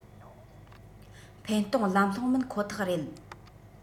འཕེན གཏོང ལམ ལྷོངས མིན ཁོ ཐག རེད